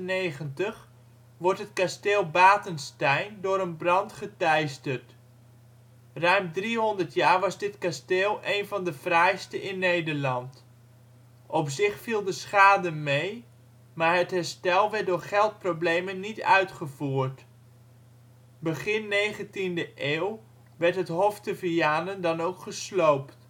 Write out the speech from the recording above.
1696 wordt het kasteel Batenstein door een brand geteisterd. Ruim 300 jaar was dit kasteel een van de fraaiste in Nederland. Op zich viel de schade mee, maar het herstel werd door geldproblemen niet uitgevoerd. Begin 19e eeuw werd " het hof te Vianen " dan ook gesloopt